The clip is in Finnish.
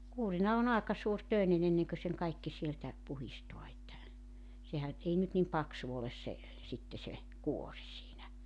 kuurina on aika suuritöinen ennen kuin sen kaikki sieltä puhdistaa että sehän ei nyt niin paksu ole se sitten se kuori siinä